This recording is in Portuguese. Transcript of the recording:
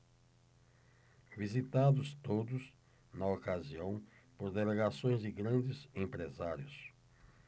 visitados todos na ocasião por delegações de grandes empresários